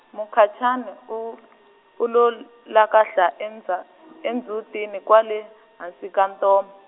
Mukhacani u u lo l- lakahla endzha- endzhutini kwale, hansi ka ntom-.